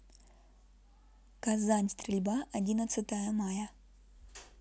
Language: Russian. казань стрельба одиннадцатое мая